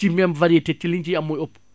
ci même variété te liñ ciy am mooy ëpp